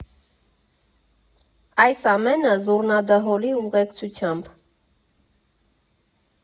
Այս ամենը զուռնա֊դհոլի ուղեկցությամբ։